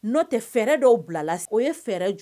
N'o tɛ fɛrɛɛrɛ dɔw bila la o ye fɛɛrɛ jɔ